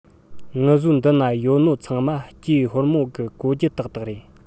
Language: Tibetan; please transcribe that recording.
ངུ བཟོའི འདི ན ཡོད ནོ ཚང མ སྐྱེས ཧོ མོ གི གོན རྒྱུ དག དག རེད